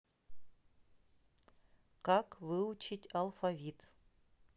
как выучить алфавит